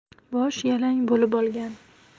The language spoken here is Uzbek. bosh yalang bo'lib olgan